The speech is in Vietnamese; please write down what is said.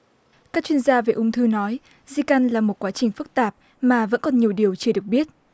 các chuyên gia về ung thư nói di căn là một quá trình phức tạp mà vẫn còn nhiều điều chưa được biết